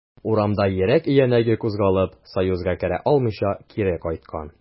Урамда йөрәк өянәге кузгалып, союзга керә алмыйча, кире кайткан.